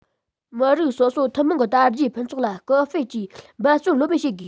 མི རིགས སོ སོ ཐུན མོང གི དར རྒྱས ཕུན ཚོགས ལ སྐུལ སྤེལ གྱིས འབད བརྩོན ལྷོད མེད བྱེད དགོས